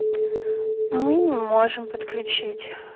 мы не можем подключить